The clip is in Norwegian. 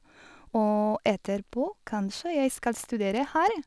Og etterpå kanskje jeg skal studere her?